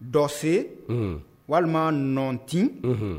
Dɔ se walima nɔt